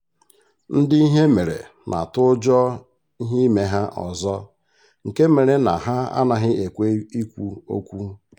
Ndị ihe mere na-atu ụjọ ihe ime ha ọzọ nke mere na ha anaghị ekwe ikwu okwu